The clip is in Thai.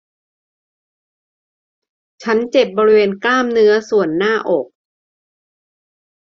ฉันเจ็บบริเวณกล้ามเนื้อส่วนหน้าอก